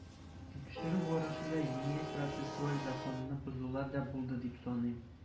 Тикшерү барышында җинаять-процессуаль законны бозулар да булды дип саныйм.